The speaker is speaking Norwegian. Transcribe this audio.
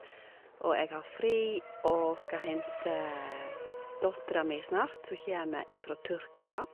Og jeg har fri og skal hente dattera mi snart, som kjeme ifra Tyrkia.